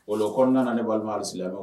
O la o kɔnɔna ne balima alisilamɛw.